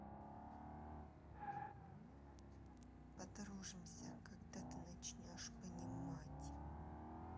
подружимся когда ты начнешь понимать